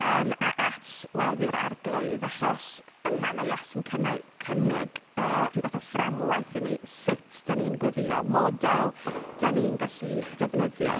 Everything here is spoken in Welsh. Yym, a at Weddi'r Arglwydd, achos yma ma' Iesu'n cynnau- cynnig yy ryw fath o fframwaith i ni sut dan ni'n gweddïo, model dan ni'n gallu defnyddio.